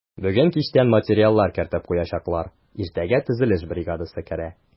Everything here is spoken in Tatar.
Бүген кичтән материаллар кертеп куячаклар, иртәгә төзелеш бригадасы керә.